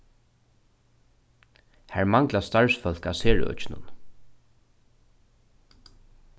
har mangla starvsfólk á serøkinum